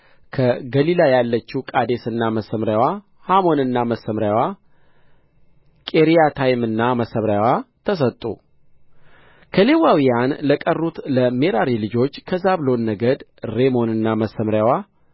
ከገሊላ ያለችው ቃዴስና መሰምርያዋ ሐሞንና መሰምርያዋ ቂርያታይምና መሰምርያዋ ተሰጡ ከሌዋውያን ለቀሩት ለሜራሪ ልጆች ከዛብሎን ነገድ ሬሞንና መሰምርያዋ